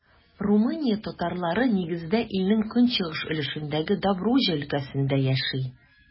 Румыния татарлары, нигездә, илнең көнчыгыш өлешендәге Добруҗа өлкәсендә яши.